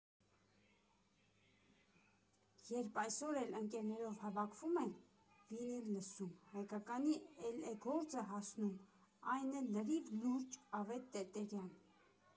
Երբ այսօր էլ ընկերներով հավաքվում են, վինիլ լսում, հայկականի էլ է գործը հասնում, այն էլ լրիվ լուրջ՝ Ավետ Տերտերյան։